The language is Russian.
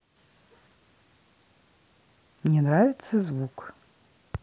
мне нравится звук